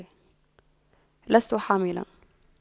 لست حامل